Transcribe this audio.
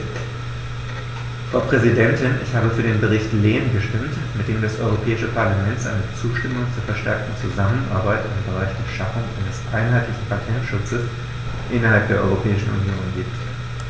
Frau Präsidentin, ich habe für den Bericht Lehne gestimmt, mit dem das Europäische Parlament seine Zustimmung zur verstärkten Zusammenarbeit im Bereich der Schaffung eines einheitlichen Patentschutzes innerhalb der Europäischen Union gibt.